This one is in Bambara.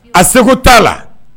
A segu t'a la